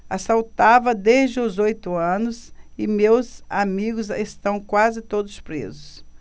assaltava desde os oito anos e meus amigos estão quase todos presos